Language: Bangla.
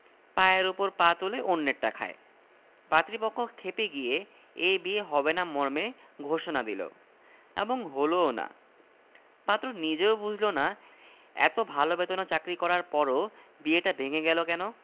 পায়ের ওপর পা তুলে অন্যেরটা খায় পাত্রীপক্ষ খেপে গিয়ে এ বিয়ে হবে না মর্মে ঘোষণা দিল এবং হলোও না পাত্র নিজেও বুঝল না এত ভালো বেতনে চাকরি করার পরও বিয়েটা ভেঙে গেল কেন